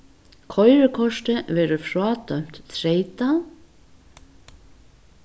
koyrikortið verður frádømt treytað